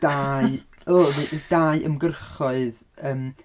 Da i- . Da i ymgyrchoedd yym...